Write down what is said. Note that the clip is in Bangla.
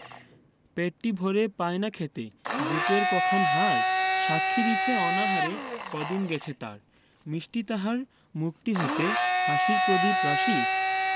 পেটটি ভরে পায় না খেতে বুকের ক খান হাড় সাক্ষী দিছে অনাহারে কদিন গেছে তার মিষ্টি তাহার মুখটি হতে হাসির প্রদীপ রাশি